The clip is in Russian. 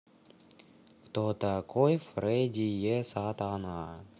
кто такой freddie сатана